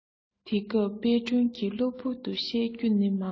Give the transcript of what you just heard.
དེ སྐབས དཔལ སྒྲོན གྱི གློ བུར དུ བཤད རྒྱུ ནི མང